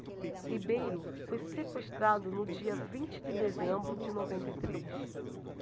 ribeiro foi sequestrado no dia vinte de dezembro de noventa e três